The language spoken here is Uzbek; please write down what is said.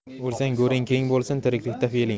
o'lsang go'ring keng bo'lsin tiriklikda fe'ling